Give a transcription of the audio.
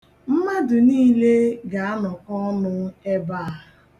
Mmadụ niile ga-anọkọ ọnụ ebe a.